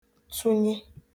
tụnye